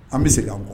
An bɛ se k' kɔ